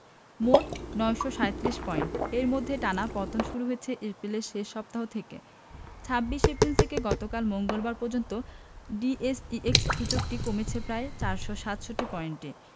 মোট ৯৩৭ পয়েন্ট এর মধ্যে টানা পতন শুরু হয় এপ্রিলের শেষ সপ্তাহ থেকে ২৬ এপ্রিল থেকে গতকাল মঙ্গলবার পর্যন্ত ডিএসইএক্স সূচকটি কমেছে প্রায় ৪৬৭ পয়েন্ট